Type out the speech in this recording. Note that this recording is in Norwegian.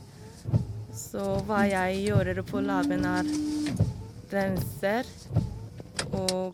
Så hva jeg gjør på laben, er renser å...